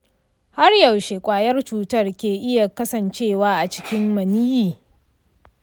har yaushe kwayar cutar ke iya kasancewa a cikin maniyyi?